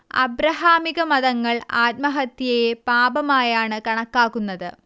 അബ്രഹാമികമതങ്ങൾ ആത്മഹത്യയെ പാപമായാണ് കണക്കാക്കുന്നത്